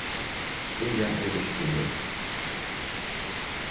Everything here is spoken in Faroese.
síðan er virkin nú